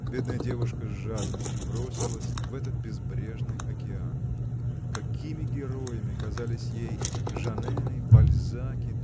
Бедная девушка с жадностью бросилась в этот безбрежный океан. Какими героями казались ей Жанены Бальзаки